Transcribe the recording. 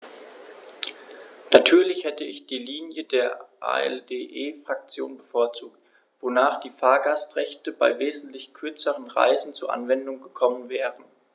Natürlich hätte ich die Linie der ALDE-Fraktion bevorzugt, wonach die Fahrgastrechte bei wesentlich kürzeren Reisen zur Anwendung gekommen wären.